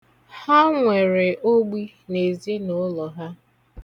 Ha nwere ogbi n'ezinụlọ ha.